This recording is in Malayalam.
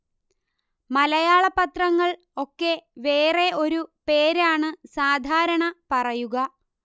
മലയാള പത്രങ്ങൾ ഒക്കെ വേറെ ഒരു പേരാണ് സാധാരണ പറയുക